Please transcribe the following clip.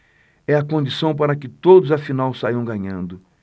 é a condição para que todos afinal saiam ganhando